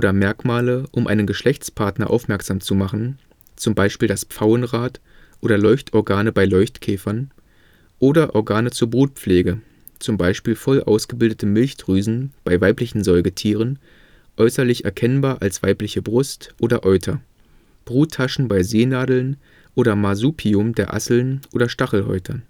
Merkmale, um einen Geschlechtspartner aufmerksam zu machen (z. B. das Pfauenrad oder Leuchtorgane bei Leuchtkäfern) oder Organe zur Brutpflege (z. B. voll ausgebildete Milchdrüsen bei weiblichen Säugetieren, äußerlich erkennbar als weibliche Brust oder Euter; Bruttaschen bei Seenadeln oder Marsupium der Asseln oder Stachelhäutern